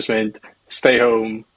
...jys mynd, stay home.